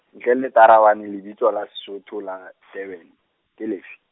ntle le Tarabane lebitso la Sesotho la Durban, ke lefe?